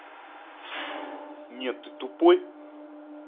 нет ты тупой